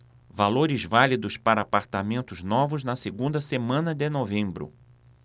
valores válidos para apartamentos novos na segunda semana de novembro